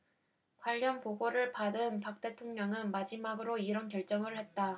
관련 보고를 받은 박 대통령은 마지막으로 이런 결정을 했다